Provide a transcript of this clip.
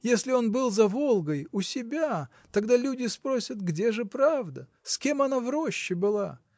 Если он был за Волгой, у себя, тогда люди спросят, где же правда?. с кем она в роще была?